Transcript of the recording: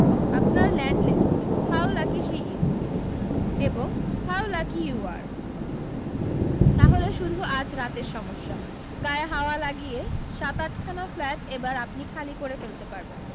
আপনার landlady how lucky she is এবং how lucky you are তাহলে শুধু আজ রাতের সমস্যা গায়ে হাওয়া লাগিয়ে সাত আটখানা ফ্ল্যাট এবার আপনি খালি করে ফেলতে পারবেন